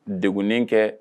Degnen kɛ